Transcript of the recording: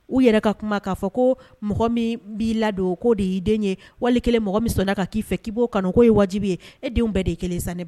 U yɛrɛ ka kuma k'a fɔ ko mɔgɔ min b'i ladon ko de y'i den ye wali mɔgɔ min ka k'i fɛ k'i'o kɔnɔ'o ye wajibi ye e denw bɛɛ de ye kelen san